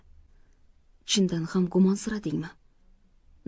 chindan ham gumonsiradingmi